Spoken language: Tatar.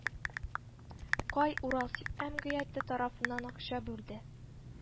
Кай уралсиб әмгыяте тарафыннан акча бүлде